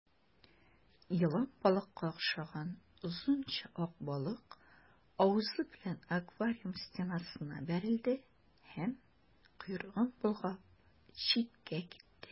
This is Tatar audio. Елан балыкка охшаган озынча ак балык авызы белән аквариум стенасына бәрелде һәм, койрыгын болгап, читкә китте.